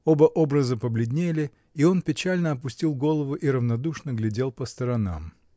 Оба образа побледнели, и он печально опустил голову и равнодушно глядел по сторонам.